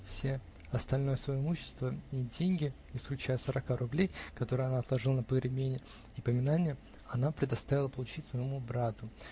Все остальное свое имущество и деньги, исключая сорока рублей, которые она отложила на погребенье и поминанье, она предоставила получить своему брату.